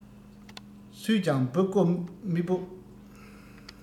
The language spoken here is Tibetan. སུས ཀྱང འབུ རྐོ མི སྤོབས